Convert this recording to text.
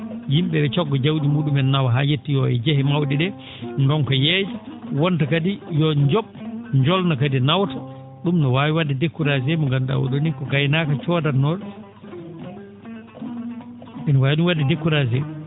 yim?e ?e cogga jawdi mu?umen nawa haa yettoyoo e jehe maw?e ?ee ndonka yeeyde wonta kadi yo njob jolna kadi nawta ?um na waawi wa?de découragé mo ngandu?aa oo ?oo nii ko gaynaako cooddatnoo?o ina waawi ?um wa?de découragé